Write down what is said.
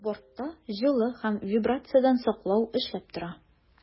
Бортта җылы һәм вибрациядән саклау эшләп тора.